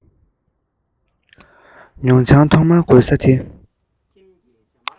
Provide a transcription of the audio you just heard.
མྱོང བྱང ཐོག མར དགོད ས དེ